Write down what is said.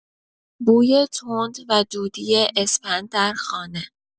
بوی تند و دودی اسپند در خانه